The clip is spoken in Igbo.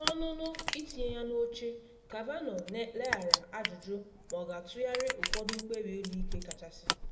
N’ọnụnụ itinye ya n’oche, Kavanaugh leghara ajụjụ ma ọ ga-atụgharị ụfọdụ mkpebi Ụlọ Ikpe Kachasị.